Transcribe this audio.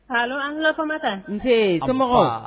Kalan an tulo kumama taa nse cɛmɔgɔ